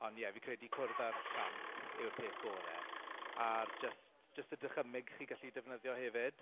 Ond ie fi'n credu cwrdd â'r plant yw'r peth gorau. A'r jyst jyst y dychymyg chi'n gallu defnyddio hefyd.